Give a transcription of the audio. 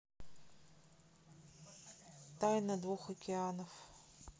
тайна двух океанов